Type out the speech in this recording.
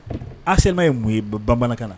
ACEMA ye mun ye bamanankan na?